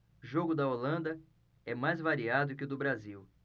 jogo da holanda é mais variado que o do brasil